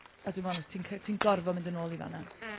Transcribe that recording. A dwi'n meddwl n- ti'n c- ti'n gorfod mynd yn ôl i fan’na.